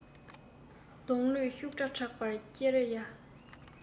སྡོང ལོས ཤུ སྒྲ བསྒྲགས པར སྐྱི རེ གཡའ